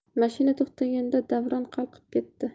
mashina to'xtaganda davron qalqib ketdi